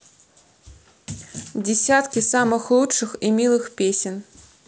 десятки самых лучших и милых песен